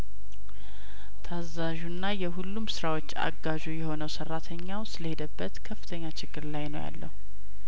ታዛዡና የሁሉም ስራዎች አጋዡ የሆነው ሰራተኘው ስለሄደበት ከፍተኛ ችግር ላይ ነው ያለው